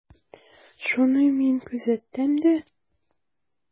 Шуны мин күзәттем дә.